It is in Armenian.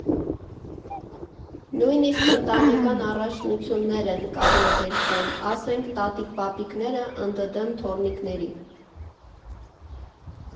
Նույնիսկ ընտանեկան առաջնություններ են կազմակերպվում, ասենք՝ տատիկ֊պապիկները ընդդեմ թոռնիկների։